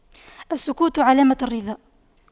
السكوت علامة الرضا